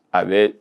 A